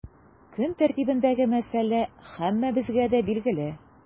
Көн тәртибендәге мәсьәлә һәммәбезгә дә билгеле.